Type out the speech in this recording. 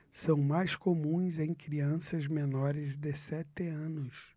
são mais comuns em crianças menores de sete anos